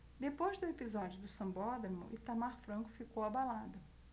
depois do episódio do sambódromo itamar franco ficou abalado